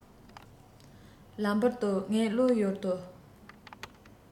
ལམ བར དུ ངའི བློ ཡུལ དུ